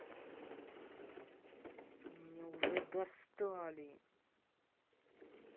у меня уже достали